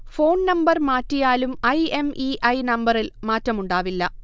Phone number മാറ്റിയാലും I. M. E. I. നമ്പറിൽ മാറ്റമുണ്ടാവില്ല